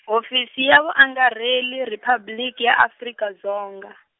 Hofisi ya Vuangarheli Riphabliki ya Afrika Dzonga.